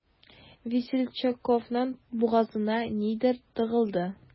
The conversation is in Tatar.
Весельчаковның бугазына нидер тыгылды.